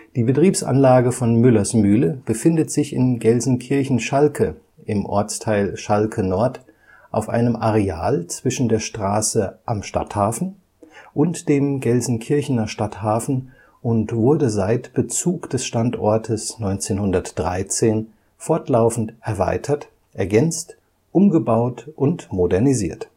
Die Betriebsanlage von Müller’ s Mühle befindet sich in Gelsenkirchen-Schalke im Ortsteil Schalke-Nord auf einem Areal zwischen der Straße Am Stadthafen und dem Gelsenkirchener Stadthafen und wurde seit Bezug des Standortes 1913 fortlaufend erweitert, ergänzt, umgebaut und modernisiert